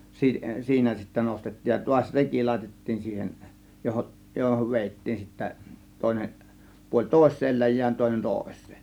- siinä sitten nostettiin ja taas reki laitettiin siihen johon johon vedettiin sitten toinen puoli toiseen läjään toinen toiseen